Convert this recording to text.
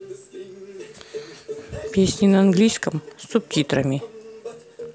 песни на английском с субтитрами